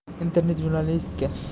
internet jurnalistika